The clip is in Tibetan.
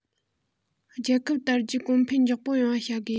རྒྱལ ཁབ དར རྒྱས གོང འཕེལ མགྱོགས པོ ཡོང བ བྱ དགོས